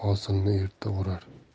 hosilni erta o'rar